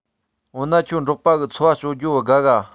འོ ན ཁྱོད འབྲོག པ གི འཚོ བ སྤྱོད རྒྱུའོ དགའ ག